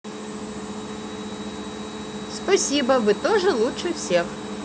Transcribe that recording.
спасибо вы тоже лучше всех